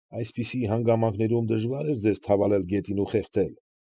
Այսպիսի հանգամանքներում դժվա՞ր էր ձեզ թավալել գետին ու խեղդել։